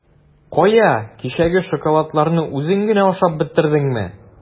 Кая, кичәге шоколадларыңны үзең генә ашап бетердеңме?